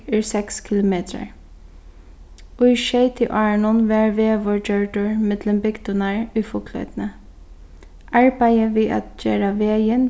er seks kilometrar í sjeytiárunum varð vegur gjørdur millum bygdirnar í fugloynni arbeiðið við at gera vegin